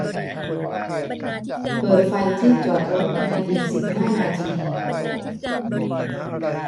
เปิดไฟที่จอดรถในอีกสิบห้านาที